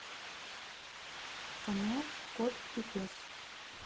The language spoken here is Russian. канал кот и пес